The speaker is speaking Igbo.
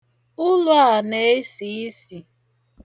Ụlọ a na-esi isi.